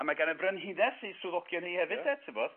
A ma' gan y Frenhines ei swyddogion hi hefyd de ti'n 'bod?